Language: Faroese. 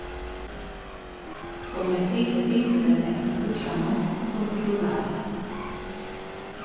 um eg flyti fingurin eftir skíggjanum so skrullar tað